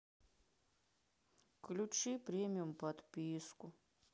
включи премиум подписку